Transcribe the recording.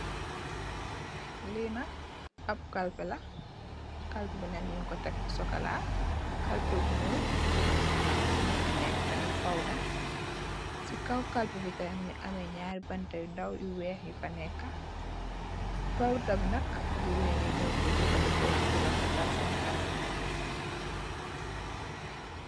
Li nak ap kalpèh la kalpèh bi ñing ko tèk fu sokola , kalpèh bu ñuul mugii ameh tamit pawda ci kaw kalpèh mu am ñaari banta yu ndaw yu wèèx yu fa nèkka pawda bi nak jigeen yu ño koy jafandiko purr refetal sèèn kanam yi.